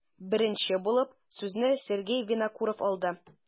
Беренче булып сүзне Сергей Винокуров алды.